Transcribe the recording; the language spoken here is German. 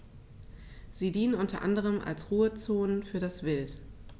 Sie dienen unter anderem als Ruhezonen für das Wild.